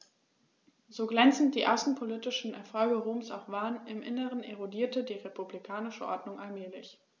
So glänzend die außenpolitischen Erfolge Roms auch waren: Im Inneren erodierte die republikanische Ordnung allmählich.